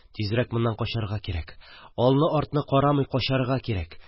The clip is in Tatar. Тизрәк моннан качарга кирәк, алны-артны карамый качарга кирәк!